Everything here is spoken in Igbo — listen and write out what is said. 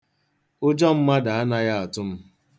Ụjọ mmadụ anaghi atụ m